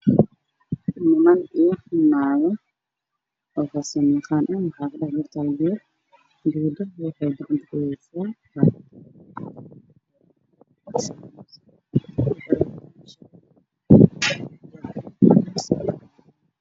Gabadha waxa ay wadataa indha shariif madow ah